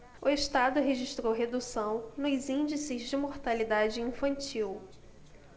o estado registrou redução nos índices de mortalidade infantil